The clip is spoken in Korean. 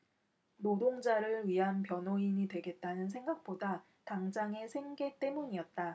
노동자를 위한 변호인이 되겠다는 생각보다 당장의 생계 때문이었다